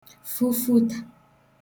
fufutā